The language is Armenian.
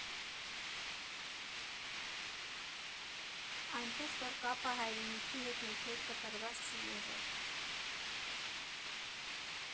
Այնպես որ՝ կապը հայրենիքի հետ երբեք կտրված չի եղել։